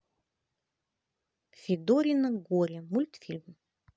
федорино горе мультфильм